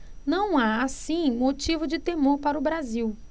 não há assim motivo de temor para o brasil